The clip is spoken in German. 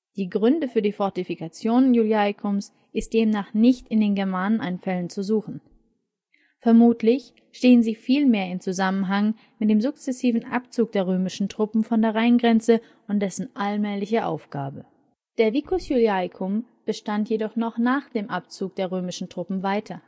Die Gründe für die Fortifikation Iuliacums sind demnach nicht in den Germaneneinfällen zu suchen. Vermutlich stehen sie vielmehr im Zusammenhang mit dem sukzessiven Abzug der römischen Truppen von der Rheingrenze und dessen allmählicher Aufgabe. Der vicus Iuliacum bestand jedoch noch nach dem Abzug der römischen Truppen weiter